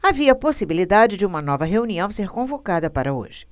havia possibilidade de uma nova reunião ser convocada para hoje